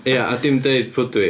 Ia, a dim deud pwy dwi.